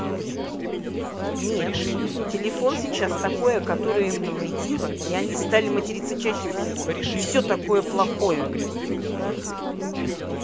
нет телефон сейчас такое который им навредила и они стали материться чаще всего и все такое плохое